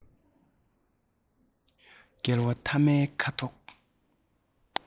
བསྐལ བ མཐའ མའི ཁ དོག